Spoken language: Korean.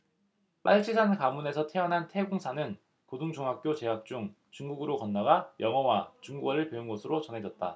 빨치산 가문에서 태어난 태 공사는 고등중학교 재학 중 중국으로 건너가 영어와 중국어를 배운 것으로 전해졌다